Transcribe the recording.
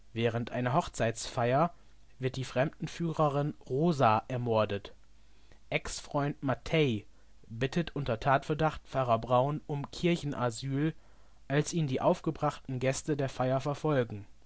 Während einer Hochzeitsfeier wird die Fremdenführerin Rosa ermordet. Ex-Freund Matej bittet unter Tatverdacht Pfarrer Braun um Kirchenasyl, als ihn die aufgebrachten Gäste der Feier verfolgen